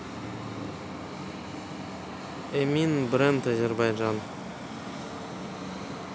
emin бренд азербайджан